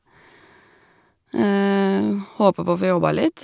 Håper på å få jobba litt.